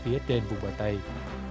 phía trên vùng bờ tây